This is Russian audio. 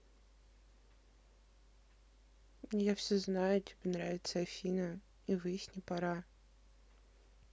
я все знаю тебе нравится афина и выясни пора